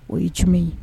O ye tiɲɛ ye